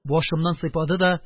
Башымнан сыйпады да: